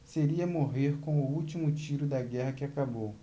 seria morrer com o último tiro da guerra que acabou